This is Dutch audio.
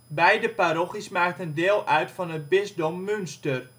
Beide parochies maakten deel uit van het bisdom Münster